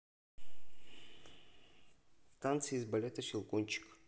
танцы из балета щелкунчик